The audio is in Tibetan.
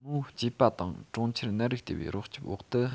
མོའི སྐྱེས པ དང གྲོང ཁྱེར ནད རིགས ལྟེ བའི རོགས སྐྱོབ འོག ཏུ